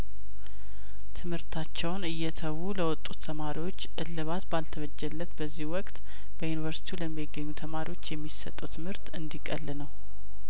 ትምህርታቸውን እየተዉ ለወጡት ተማሪዎች እልባት ባልተበጀለት በዚህ ወቅት በዩኒቨርስቲው ለሚገኙ ተማሪዎች የሚሰጠው ትምህርት እንዲቀል ነው